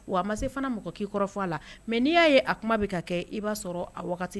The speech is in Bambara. Wa a ma se fana mɔgɔ k'i kɔrɔfɔ a la mais n'i y'a ye a kuma bɛ ka kɛ, i b'a sɔrɔ a wagati